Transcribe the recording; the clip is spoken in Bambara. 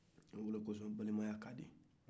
o de kɔsɔ balimaya kadi